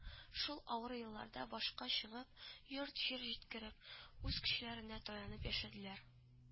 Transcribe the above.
Шул авыр елларда башка чыгып, йорт-җир җиткереп, үз көчләренә таянып яшәделәр